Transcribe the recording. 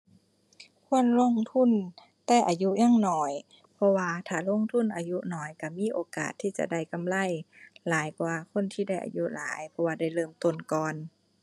ควรลงทุนแต่อายุยังน้อย เพราะว่าถ้าลงทุนอายุน้อยก็มีโอกาสที่จะได้กำไรหลายกว่าคนที่ได้อายุหลาย เพราะว่าได้เริ่มต้นก่อน